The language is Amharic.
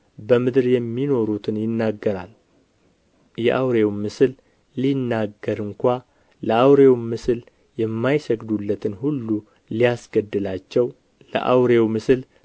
በምድር የሚኖሩትን ይናገራል የአውሬው ምስል ሊናገር እንኳ ለአውሬውም ምስል የማይሰግዱለትን ሁሉ ሊያስገድላቸው ለአውሬው ምስል